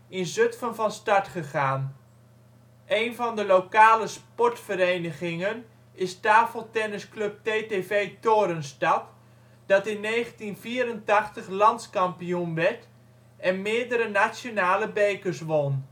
in Zutphen van start gegaan. Eén van de lokale sportverenigingen is tafeltennisclub TTV Torenstad, dat in 1984 landskampioen werd en meerdere nationale bekers won